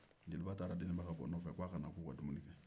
jeliba taara deninba ka bɔ nɔ fɛ k'o ka na k'u ka dumuni kɛ